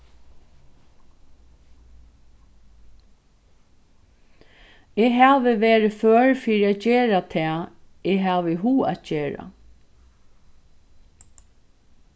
eg havi verið før fyri at gera tað eg havi hug at gera